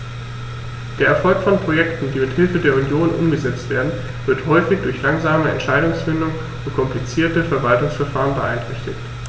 Der Erfolg von Projekten, die mit Hilfe der Union umgesetzt werden, wird häufig durch langsame Entscheidungsfindung und komplizierte Verwaltungsverfahren beeinträchtigt.